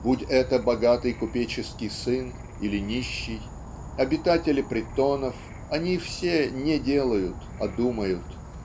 Будь это богатый купеческий сын или нищий обитатели притонов они все не делают а думают.